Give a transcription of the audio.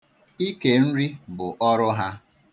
Ike nri bụ ọrụ ha.